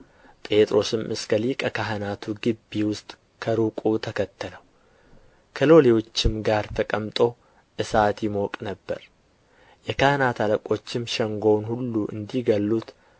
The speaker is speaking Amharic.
ጴጥሮስም እስከ ሊቀ ካህናቱ ግቢ ውስጥ በሩቁ ተከተለው ከሎሌዎችም ጋር ተቀምጦ እሳት ይሞቅ ነበር የካህናት አለቆችም ሸንጎውም ሁሉ እንዲገድሉት